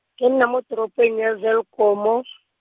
ke nna mo toropong ya Welkom .